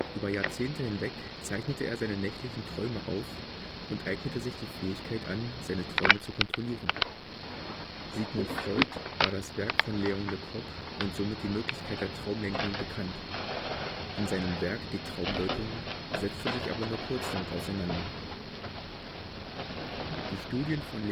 Über Jahrzehnte hinweg zeichnete er seine nächtlichen Träume auf und eignete sich die Fähigkeit an, seine Träume zu kontrollieren. Sigmund Freud war das Werk von Léon le Coq und somit die Möglichkeit der Traumlenkung bekannt. In seinem Werk Die Traumdeutung setzt er sich aber nur kurz damit auseinander. Die Studien von